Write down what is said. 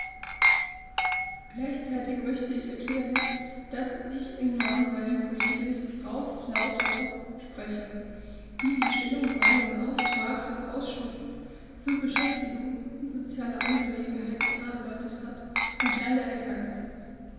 Gleichzeitig möchte ich erklären, dass ich im Namen meiner Kollegin Frau Flautre spreche, die die Stellungnahme im Auftrag des Ausschusses für Beschäftigung und soziale Angelegenheiten erarbeitet hat und leider erkrankt ist.